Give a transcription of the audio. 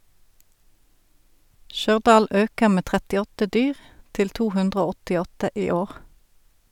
Stjørdal øker med 38 dyr, til 288 i år.